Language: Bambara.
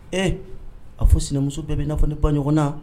Ee a fo sinamuso bɛɛ bɛ'a fɔ ni pan ɲɔgɔn na